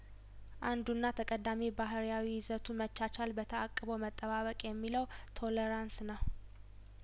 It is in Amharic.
አንዱና ተቀዳሚ ባህርያዊ ይዘቱ መቻቻል በተአቅቦ መጠባበቅ የሚባለው ቶለራን ስነው